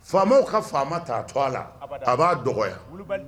Faama ka faama ta to a la a b'a dɔgɔ